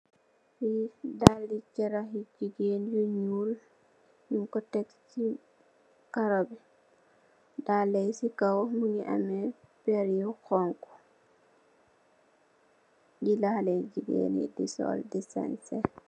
Li daali cxarah yu jigeen yu nuul nun ko tek si karo bi daal yi si kaw mongi ameh perr yu xonxu li la xale jigeen di sol di sanseh.